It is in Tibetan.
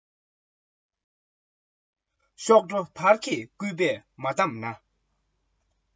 ལྷ ཆོས བྱས སོང ཟེར ཡང སྟོང པ རེད